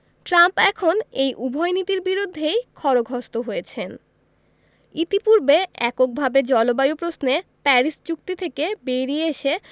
Trump এখন এই উভয় নীতির বিরুদ্ধেই খড়গহস্ত হয়েছেন ইতিপূর্বে এককভাবে জলবায়ু প্রশ্নে প্যারিস চুক্তি থেকে বেরিয়ে এসে